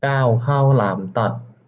เก้าข้าวหลามตัด